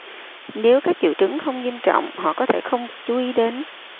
nếu các triệu chứng không nghiêm trọng họ có thể không chú ý đến